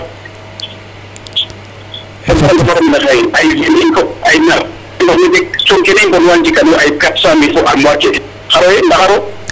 A retanga ma xaye ay nar cong kene i mbondwa njikanooyo ay 400 mille fo armoire ke xaro, re ndaxar o.